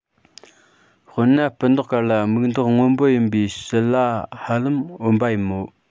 དཔེར ན སྤུ མདོག དཀར ལ མིག མདོག སྔོན པོ ཡིན པའི བྱི ལ ཧ ལམ འོན པ ཡིན མོད